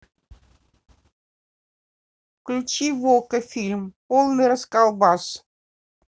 включи в окко фильм полный расколбас